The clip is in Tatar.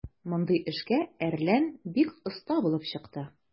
Мондый эшкә "Әрлән" бик оста булып чыкты.